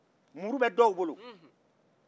muru bɛ dɔw bolo